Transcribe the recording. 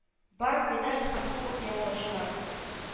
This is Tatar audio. Бар медаль һәм Кубок яулаучылар